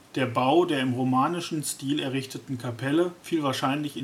der im romanischen Stil errichteten Kapelle fiel wahrscheinlich